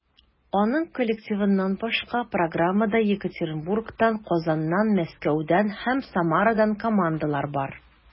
Аның коллективыннан башка, программада Екатеринбургтан, Казаннан, Мәскәүдән һәм Самарадан командалар бар.